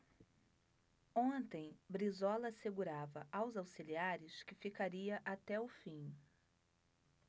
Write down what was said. ontem brizola assegurava aos auxiliares que ficaria até o fim